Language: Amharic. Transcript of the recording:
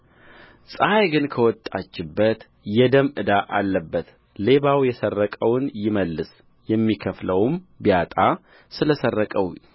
ፀሐይ ግን ከወጣችበት የደም ዕዳ አለበት ሌባው የሰረቀውን ይመልስ የሚከፍለውም ቢያጣ ስለ ሰረቀው